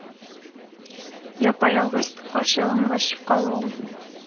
Япа-ялгыз, ач-ялангач калуың,